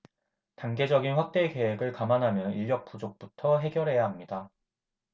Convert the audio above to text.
단계적인 확대 계획을 감안하면 인력 부족부터 해결해야 합니다